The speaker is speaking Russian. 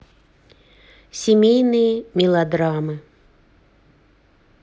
семейные мелодрамы